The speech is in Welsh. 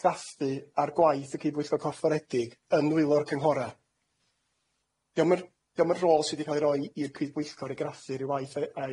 ni fedran ni fel cyngor ofyn wrth y pwyllgor iaith edrych ar un?